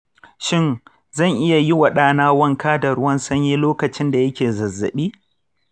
shin zan iya yi wa ɗana wanka da ruwan sanyi lokacin da yake zazzabi?